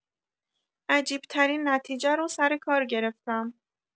عجیب‌ترین نتیجه رو سر کار گرفتم.